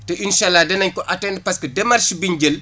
te incha allah danañ ko atteindre parce que démarche bi ñ jël